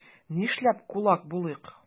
Нишләп кулак булыйк?